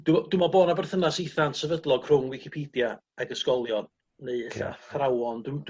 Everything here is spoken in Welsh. dwi dwi me'l bo' na berthynas itha ansefydlog rhwng wicipedia ag ysgolion neu e'lla athrawon dwi'm